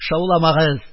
Шауламагыз,